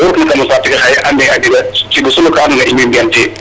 oxu rokna kam saate fe xaye a ande a jega tig mosu ka andoona yee in way mbi'an teen.